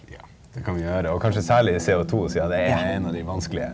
ja det kan vi gjøre og kanskje særlig CO2 sia det er en av de vanskelige .